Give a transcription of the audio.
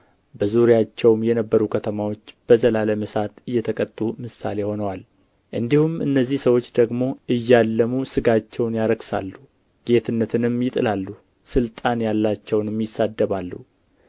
በዙሪያቸውም የነበሩ ከተማዎች በዘላለም እሳት እየተቀጡ ምሳሌ ሆነዋል እንዲሁም እነዚህ ሰዎች ደግሞ እያለሙ ሥጋቸውን ያረክሳሉ ጌትነትንም ይጥላሉ ሥልጣን ያላቸውንም ይሳደባሉ